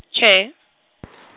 tjhe .